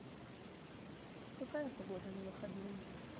какая погода на выходные